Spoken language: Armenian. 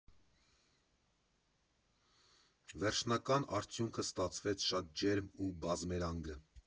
Վերջնական արդյունքը ստացվեց շատ ջերմ ու բազմերանգ։